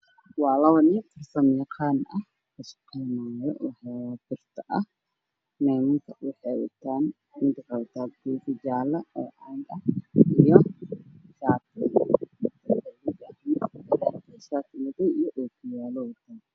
Waa laba nin oo farsamayaqaan ah waxay taagayaan biro mid wuxuu wataa koofi jaalomidka kalena koofil madow ah